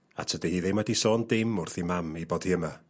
A tydi hi ddim wedi sôn dim wrth 'i mam 'i bod hi yma.